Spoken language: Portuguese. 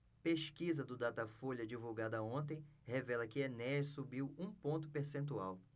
pesquisa do datafolha divulgada ontem revela que enéas subiu um ponto percentual